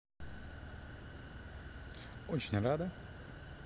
очень рада